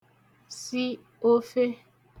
si ofe